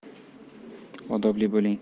odobli bo'ling